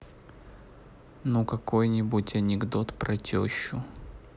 ну какой нибудь анекдот про тещу